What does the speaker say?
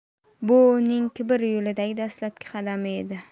bu uning kibr yo'lidagi dastlabki qadami edi